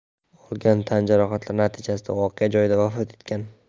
olgan tan jarohatlari natijasida voqea joyida vafot etgan